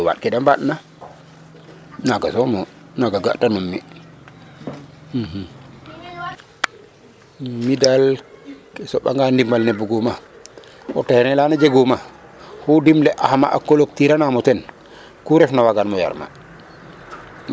o waaɗ ke de mbaaɗ na naga somo naga ga tanum mi mi dal a soba nga ndiɓal ne buguma o terrain lana jeguma oxu dimle axama a cloture anamo ten ku refna wagan mo yar ma